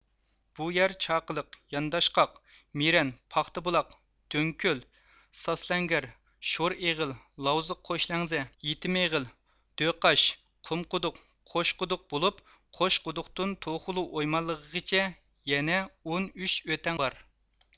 بۇ يەر چاقىلىق يانداشقاق مىرەن پاختابۇلاق دۆڭكۆل ساسلەنگەر شورئېغىل لاۋزا قوشلەڭزە يېتىم ئېغىل دۆقاش قۇمقۇدۇق قوشقۇدۇق بولۇپ قوشقۇدۇقتىن توخولۇ ئويمانلىغىغىچە يەنە ئون ئۈچ ئۆتەڭ بار